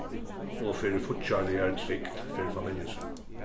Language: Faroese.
og fyri fíggjarligari trygd fyri familju sína